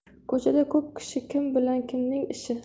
ko'chada ko'p kishi kim bilan kimning ishi